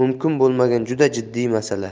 bo'lmagan juda jiddiy masala